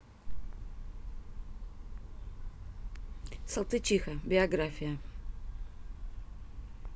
салтычиха биография